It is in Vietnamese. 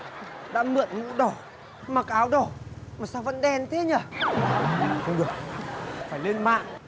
đã mượn mũ đỏ mặc áo đỏ mà sao vẫn đen thế nhờ không được phải lên mạng